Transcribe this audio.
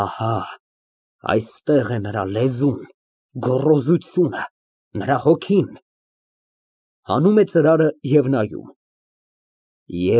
Ահա, այստեղ է նրա լեզուն, գոռոզությունը, նրա հոգին։ (Հանում է ծրարը և նայում)։